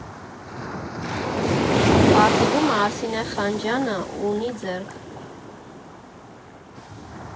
«Պարզվում ա, Արսինե Խանջյանը ունի ծիծիկ։